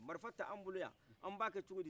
marifa tɛ an bolo yan an b' a kɛ cogodi